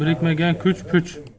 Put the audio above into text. birikmagan kuch puch